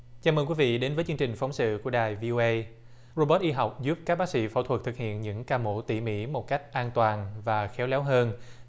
chào mừng quý vị đến với chương trình phóng sự của đài vi ô ây rô bốt y học giúp các bác sĩ phẫu thuật thực hiện những ca mổ tỉ mỉ một cách an toàn và khéo léo hơn